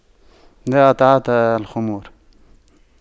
لا أتعاطى الخمور